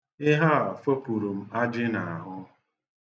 Ihe a fopuru ma ajị n'ahụ.